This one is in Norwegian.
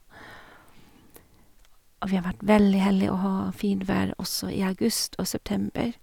Og vi har vært veldig heldig å ha fint vær også i august og september.